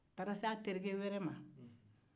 a taara se a terikɛ wɛrɛ man